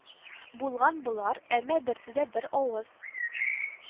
Булган болар, әмма берсе дә бер авыз